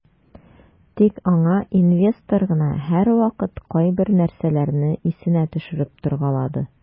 Тик аңа инвестор гына һәрвакыт кайбер нәрсәләрне исенә төшереп торгалады.